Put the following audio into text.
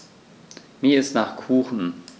Mir ist nach Kuchen.